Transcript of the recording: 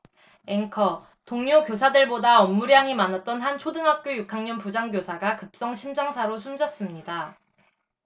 앵커 동료 교사들보다 업무량이 많았던 한 초등학교 육 학년 부장교사가 급성심장사로 숨졌습니다